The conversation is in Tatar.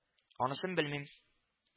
Анысын белмим